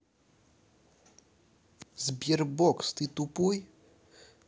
sberbox ты тупой